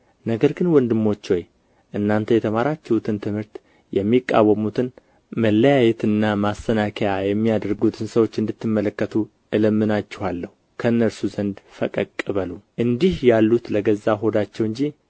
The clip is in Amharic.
ነገር ግን ወንድሞች ሆይ እናንተ የተማራችሁትን ትምህርት የሚቃወሙትን መለያየትንና ማሰናከያን የሚያደርጉትን ሰዎች እንድትመለከቱ እለምናችኋለሁ ከእነርሱ ዘንድ ፈቀቅ በሉ እንዲህ ያሉት ለገዛ ሆዳቸው እንጂ